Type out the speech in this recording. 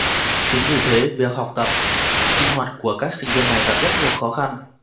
chính vì thế việc học tập sinh hoạt của các sinh viên này gặp rất nhiều khó khăn